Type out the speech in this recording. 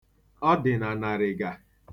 Ọ dị na narịga.